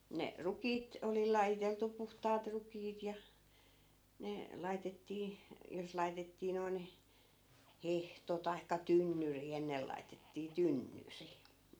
ne rukiit oli lajiteltu puhtaat rukiit ja ne laitettiin jos laitettiin noin hehto tai tynnyri ennen laitettiin tynnyri